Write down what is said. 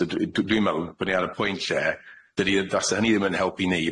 So dwi dwi'n meddwl bo' ni ar y point lle dydi yy ddasa hynny ddim yn helpu ni,